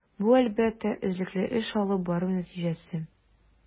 Бу, әлбәттә, эзлекле эш алып бару нәтиҗәсе.